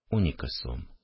Унике сум